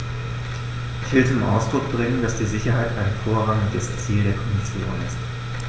Ich will zum Ausdruck bringen, dass die Sicherheit ein vorrangiges Ziel der Kommission ist.